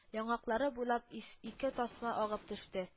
Яңаклары буйлап ис ике тасма агып төште